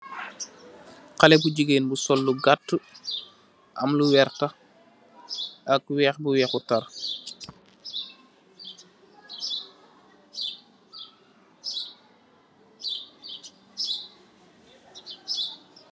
Haleh bu gigain bu sol lu gaatue, am lu wertah ak wekh bu wekhul tarre.